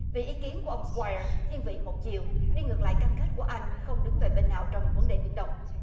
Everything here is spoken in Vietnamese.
vì ý kiến của ông goai ơ thiên vị một chiều đi ngược lại cam kết của anh không đứng về bên nào trong vấn đề biển đông